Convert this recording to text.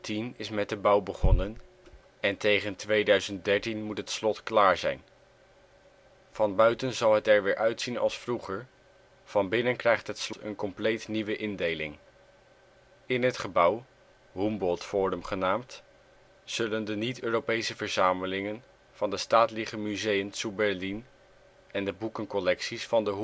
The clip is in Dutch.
In 2010 is met de bouw begonnen en tegen 2013 moet het slot klaar zijn. Van buiten zal het er weer uitzien als vroeger, van binnen krijgt het slot een compleet nieuwe indeling. In het gebouw, ' Humboldt-Forum ' genaamd, zullen de niet-Europese verzamelingen van de Staatliche Museen zu Berlin en de boekencollecties van de